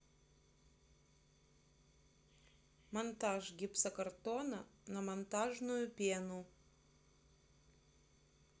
монтаж гипсокартона на монтажную пену